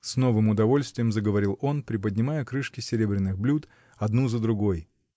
— с новым удовольствием заговорил он, приподнимая крышки серебряных блюд, одну за другой.